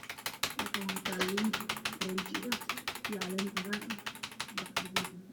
Halkaan waxaa taalo liin orange ah iyo caleen cagaar ah